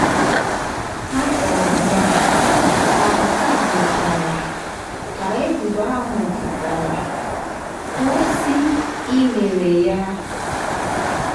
Akpọrọ m ya ka nke a mechara, ka ebubo ahụ pụtara, kwuo sị, ‘Ị mere ya?